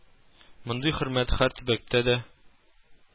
Мондый хөрмәт һәр төбәктә дә